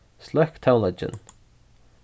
sløkk tónleikin